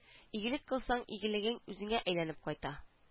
Игелек кылсаң игелегең үзеңә әйләнеп кайта